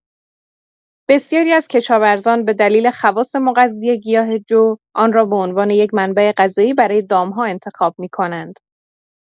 بسیاری از کشاورزان به دلیل خواص مغذی گیاه جو، آن را به عنوان یک منبع غذایی برای دام‌ها انتخاب می‌کنند.